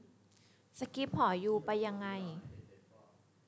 สคิปหอยูไปยังไง